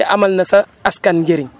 te amal na askan njëriñ